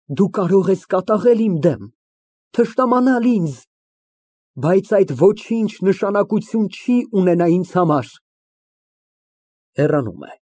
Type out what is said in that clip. Դու կարող ես կատաղել իմ դեմ, թշնամանալ ինձ, բայց այդ ոչինչ նշանակություն չի ունենա ինձ համար։(Հեռանում է)։